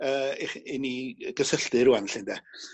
yy ich- i ni yy gysylltu rŵan 'lly ynde?